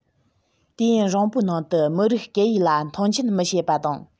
དུས ཡུན རིང བོའི ནང དུ མི རིགས སྐད ཡིག ལ མཐོང ཆེན མི བྱེད པ དང